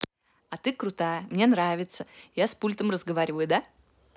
а ты крутая мне нравится я с пультом разговариваю да